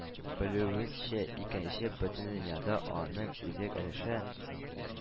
Белүебезчә, Икенче Бөтендөнья, аның үзәк өлеше